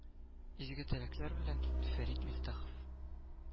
Изге теләкләр белән Фәрит Мифтахов